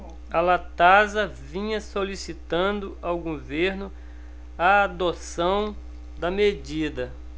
a latasa vinha solicitando ao governo a adoção da medida